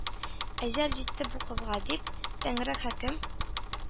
«әҗәл җитте бу кызга!»— дип, тәңре хөкем